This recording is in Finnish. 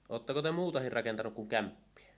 oletteko te muutakin rakentanut kuin kämppiä